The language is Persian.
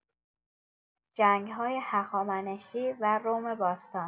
جنگ‌های هخامنشی و روم باستان